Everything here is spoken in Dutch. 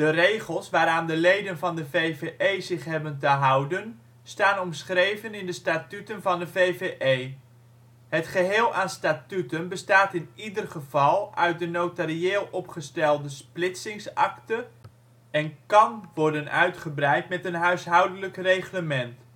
regels waaraan de leden van de VvE zich hebben te houden staan omschreven in de statuten van de VvE. Het geheel aan statuten bestaat in ieder geval uit de (notarieel opgestelde) splitsingsakte en kan worden uitgebreid met een huishoudelijk reglement